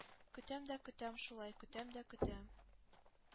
Көтәм дә көтәм шулай, көтәм дә көтәм...